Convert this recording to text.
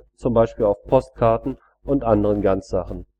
z. B. auf Postkarten und anderen Ganzsachen